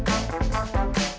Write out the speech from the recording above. nặng